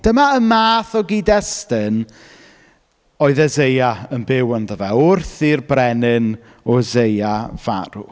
Dyma y math o gyd-destun oedd Eseia yn byw ynddo fe wrth i'r brenin Usseia farw.